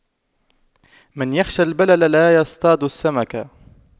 من يخشى البلل لا يصطاد السمك